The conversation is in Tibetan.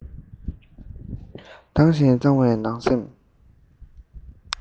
དྭངས ཤིང གཙང བའི ནང སེམས